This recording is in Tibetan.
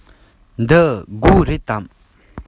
འདི སྒོ རེད དམ